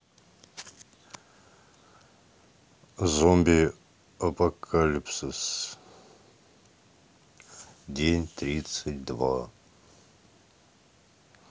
zombie apocalypse день тридцать два